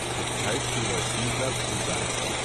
Der Zeithierarchiesatz besagt